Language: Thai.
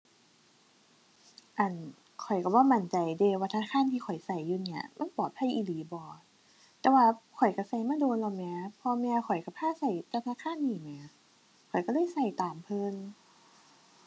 อั่น ข้อยก็บ่มั่นใจเด้ว่าธนาคารที่ข้อยก็อยู่เนี่ย มันปลอดภัยอีหลีบ่ แต่ว่าข้อยก็ก็มาโดนแล้วแหม พ่อแม่ข้อยก็พาก็แต่ธนาคารนี้แหม ข้อยก็เลยก็ตามเพิ่น